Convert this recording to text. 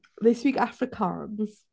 They speak Afrikaans.